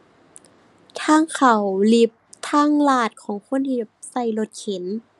ทางเข้าลิฟต์ ทางลาดของคนที่ใช้รถเข็น